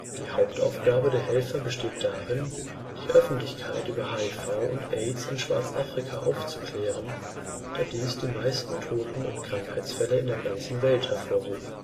Hauptaufgabe der Helfer besteht darin, die Öffentlichkeit über HIV und AIDS in Schwarzafrika aufzuklären, da dies die meisten Toten und Krankheitsfälle in der ganzen Welt hervorruft